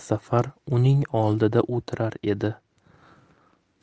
safar uning oldida o'tirar edi